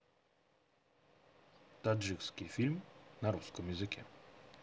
таджикский фильм на русском языке